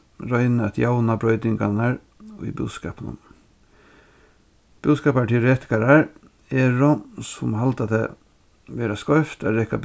royna at javna broytingarnar í búskapinum búskaparteoretikarar eru sum halda tað vera skeivt at reka